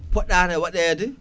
poɗɗata waɗede